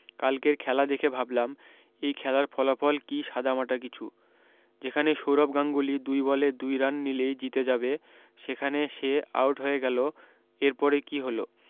কালকের খেলা দেখে ভাবলাম এই খেলার ফলাফল কী সাদামাটা কিছু যেখানে সৌরভ গাঙ্গুলি দুই বলে দুই রান নিলেই জিতে যাবে সেখানে সে আট হয়ে গেল এরপরে কী হল